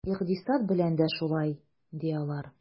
Икътисад белән дә шулай, ди алар.